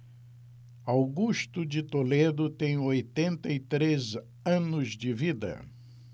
augusto de toledo tem oitenta e três anos de vida